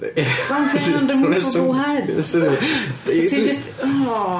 ... Pam ti angen removable head? Ti jyst oww...